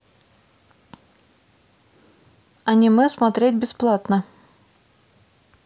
аниме смотреть бесплатно